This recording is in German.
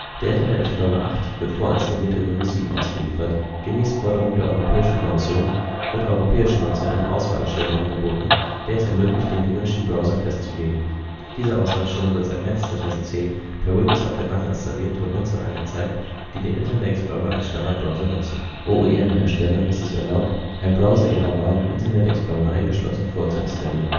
Der Internet Explorer 8 wird vorinstalliert in Windows 7 ausgeliefert. Gemäß Forderung der Europäischen Kommission wird europäischen Nutzern ein Auswahlschirm angeboten, der es ermöglicht, den gewünschten Browser festzulegen. Dieser Auswahlschirm wird seit März 2010 per Windows Update nachinstalliert und Nutzern angezeigt, die den Internet Explorer als Standardbrowser nutzen. OEM-Herstellern ist es erlaubt, einen Browser ihrer Wahl (Internet Explorer eingeschlossen) vorzuinstallieren